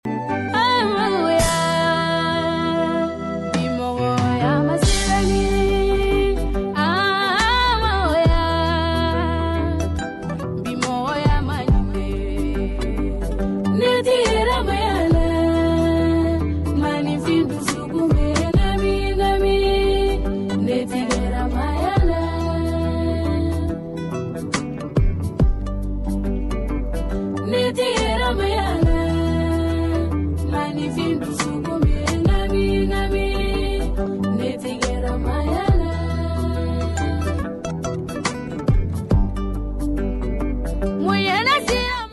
Sanya sabagoba yolitigi le mani le le lelitigi bɛya laban 2ni letigiya la mɔ yaji